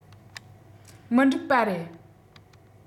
མི འགྲིག པ རེད